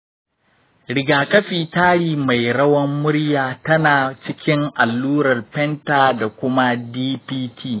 rigakafi tari mai rawan murya tana cikin allurar penta da kuma dpt.